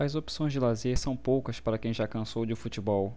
as opções de lazer são poucas para quem já cansou de futebol